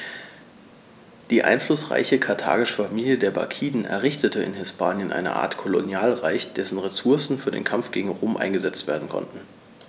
Die einflussreiche karthagische Familie der Barkiden errichtete in Hispanien eine Art Kolonialreich, dessen Ressourcen für den Kampf gegen Rom eingesetzt werden konnten.